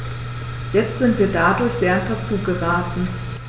Jetzt sind wir dadurch sehr in Verzug geraten.